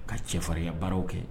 Ka cɛfarinya baaraw kɛ.